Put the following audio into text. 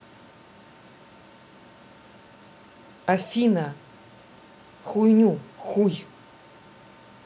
афина хуйню хуй